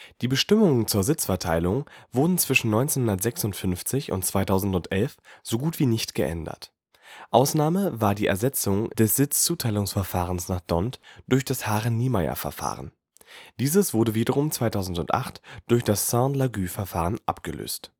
Die Bestimmungen zur Sitzverteilung wurden zwischen 1956 und 2011 so gut wie nicht geändert. Ausnahme war die Ersetzung des Sitzzuteilungsverfahrens nach D’ Hondt durch das Hare-Niemeyer-Verfahren. Dieses wurde wiederum 2008 durch das Sainte-Laguë-Verfahren abgelöst